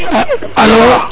alo